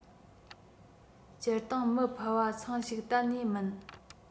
སྤྱིར བཏང མི ཕལ བ ཚང ཞིག གཏན ནས མིན